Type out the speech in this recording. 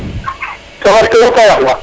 taxar ke fop ka yaqu